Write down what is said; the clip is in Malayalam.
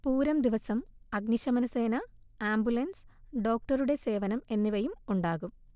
പൂരം ദിവസം അഗ്നിശമനസേന, ആംബുലൻസ്, ഡോക്ടറുടെ സേവനം എന്നിവയും ഉണ്ടാകും